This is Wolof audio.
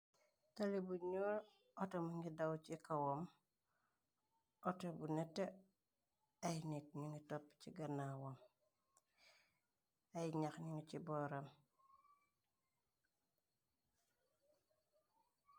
Tali bu ñoo atom ngi daw ci kawam ato bu nete ay nék nungi topp ci gannawam ay ñax nini ci booram.